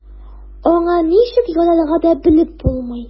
Аңа ничек ярарга да белеп булмый.